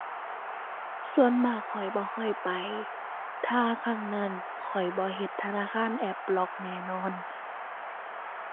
ส่วนมากข้อยบ่ค่อยไป ถ้าครั้งนั้นข้อยบ่เฮ็ดธนาคารแอปล็อกแน่นอน